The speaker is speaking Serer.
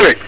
rewe